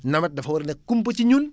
nawet dafa war a nekk kumpa ci ñun